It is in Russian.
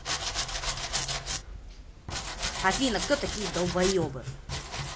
афина а кто такие долбаебы